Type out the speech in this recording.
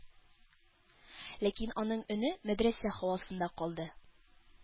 Ләкин аның өне мәдрәсә һавасында калды.